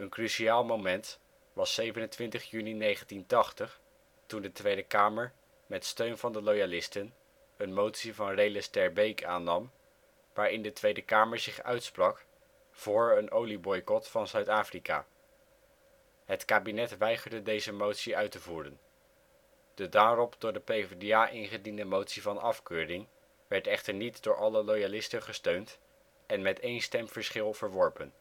cruciaal moment was 27 juni 1980 toen de Tweede Kamer met steun van de loyalisten een motie van Relus ter Beek aannam, waarin de Tweede Kamer zich uitsprak voor een olieboycot van Zuid-Afrika. Het kabinet weigerde deze motie uit te voeren. De daarop door de PvdA ingediende motie van afkeuring werd echter niet door alle loyalisten gesteund en met één stem verschil verworpen